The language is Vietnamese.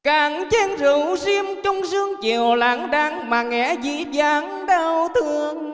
cạn chén rượu diêm trung dương chiều lãng đãng mà nghe dĩ vãng đau thương